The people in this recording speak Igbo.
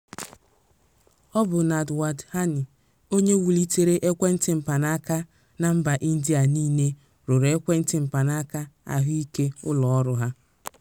Ọ bụ Nand Wadhwani onye wulitere ekwentị mpanaka na mba Indịa nille rụrụ Ekwentị Mpanaka Keahụike ụlọ ọrụ ha.